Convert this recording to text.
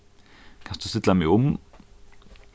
kanst tú stilla meg um